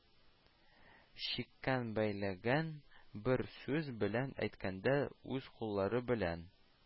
Чиккән, бәйләгән, бер сүз белән әйткәндә, үз куллары белән